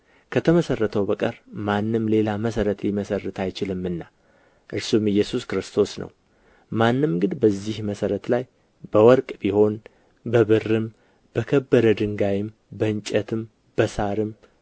ከተመሠረተው በቀር ማንም ሌላ መሠረት ሊመሠርት አይችልምና እርሱም ኢየሱስ ክርስቶስ ነው ማንም ግን በዚህ መሠረት ላይ በወርቅ ቢሆን በብርም በከበረ ድንጋይም በእንጨትም በሣርም